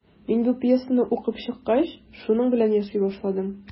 Мин бу пьесаны укып чыккач, шуның белән яши башладым.